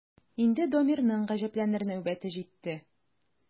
Инде Дамирның гаҗәпләнер нәүбәте җитте.